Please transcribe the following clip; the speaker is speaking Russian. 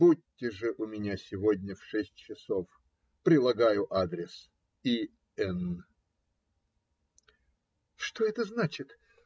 Будьте же у меня сегодня в шесть часов. Прилагаю адрес. И. Н. ". Что это значит?